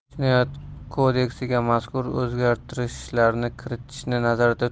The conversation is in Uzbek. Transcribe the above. jinoyat kodeksiga mazkur o'zgartishlarni kiritishni nazarda